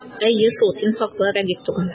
Әйе шул, син хаклы, Рәдиф туган!